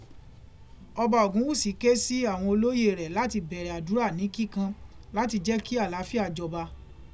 Ọba Ògúnwùsì ké sí àwọn olóyè rẹ̀ láti bẹ̀rẹ̀ àdúrà ní kíkan láti jẹ́ kí àlááfíà jọba.